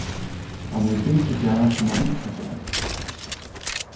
hann hevur fingið tað sum hann ynskti sær